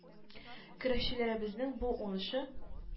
Көрәшчеләребезнең бу уңышы –